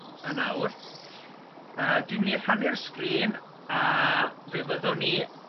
yn awr yy dwi'n mynd i rhannu'r sgrîn a fe fyddwn ni